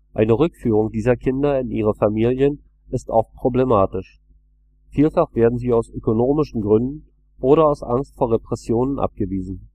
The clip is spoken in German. Eine Rückführung dieser Kinder in ihre Familien ist oft problematisch. Vielfach werden sie aus ökonomischen Gründen oder aus Angst vor Repressionen abgewiesen